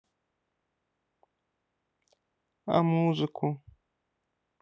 а музыку